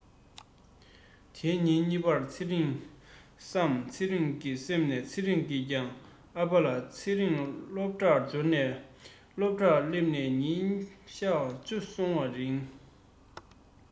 དེའི ཉིན གཉིས པར ཚེ རིང བསམ ཚེ རང གི སེམས ནང ཚེ རིང གིས ཀྱང ཨ ཕ ལ ཚེ རིང སློབ གྲྭར འབྱོར ནས སློབ གྲྭར སླེབས ནས ཉིན གཞག བཅུ སོང བའི རིང